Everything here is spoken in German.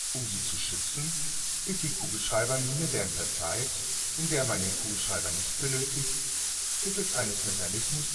Um sie zu schützen, wird die Kugelschreiber-Mine während der Zeit, in der man den Kugelschreiber nicht benötigt, mittels eines Mechanismus